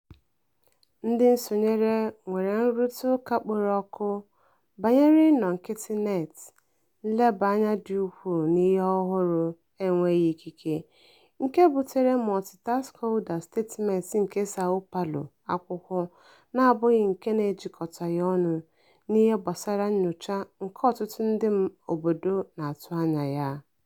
Ndị nsonyere nwere nrụrịtaụka kporo ọkụ banyere ịnọ nkịtị net, nlebaanya dị ukwuu na ihe ọhụrụ "enweghị ikike", nke butere Multistakeholder Statement nke Sao Paulo, akwụkwọ na-abụghị nke na-ejikọtaghị ọnụ n'ihe gbasara nnyocha nke ọtụtụ ndị obodo na-atụ anya ya.